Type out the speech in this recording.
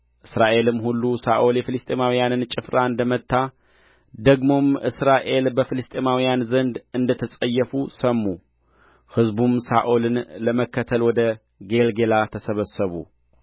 እስራኤልም ሁሉ ሳኦል የፍልስጥኤማውያንን ጭፍራ እንደ መታ ደግሞም እስራኤል በፍልስጥኤማውያን ዘንድ እንደ ተጸየፉ ሰሙ ሕዝቡም ሳኦልን ለመከተል ወደ ጌልገላ ተሰበሰቡ